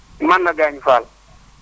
man la Gagny Fall